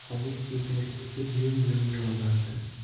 sovuq ko'z yosh to'kib yum yum yiglardi